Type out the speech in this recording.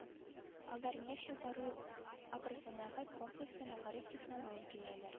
Алар нефть чыгару агросәнәгать комплексы мәгариф технологияләр